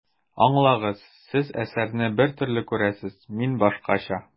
Аңлагыз, Сез әсәрне бер төрле күрәсез, мин башкача.